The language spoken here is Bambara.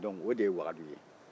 dɔnku o de ye wagadu ye